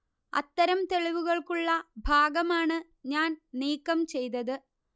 അത്തരം തെളിവുകൾക്കുള്ള ഭാഗമാണ് ഞാൻ നീക്കം ചെയ്തത്